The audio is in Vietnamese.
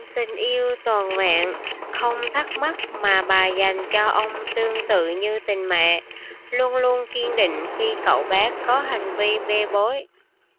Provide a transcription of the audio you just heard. tình yêu toàn vẹn không thắc mắc mà bà dành cho ông tương tự như tình mẹ luôn luôn kiên định khi cậu bé có hành vi bê bối